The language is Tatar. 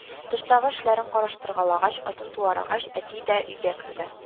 Тыштагы эшләрен караштыргалагач, атын туаргач, әти дә өйгә керде